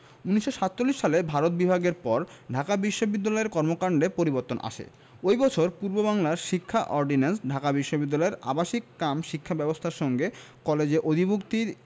১৯৪৭ সালে ভারত বিভাগের পর ঢাকা বিশ্ববিদ্যালয়ের কর্মকান্ডে পরিবর্তন আসে ওই বছর পূর্ববাংলার শিক্ষা অর্ডিন্যান্স ঢাকা বিশ্ববিদ্যালয়ের আবাসিক কাম শিক্ষা ব্যবস্থার সঙ্গে কলেজ অধিভুক্তির